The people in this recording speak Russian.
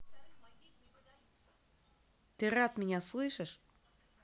ты рад меня слышишь